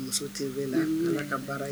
Muso T V la . Amina. Ala ka baara